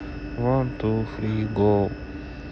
ван ту фри го